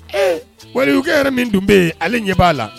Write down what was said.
Ee walikɛ yɛrɛ min tun bɛ yen ale ɲɛ b'a la